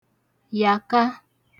yàka